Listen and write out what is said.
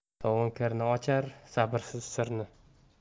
sovun kirni ochar sabrsiz sirni